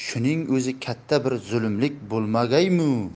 shuning o'zi katta bir zolimlik bo'lmagaymi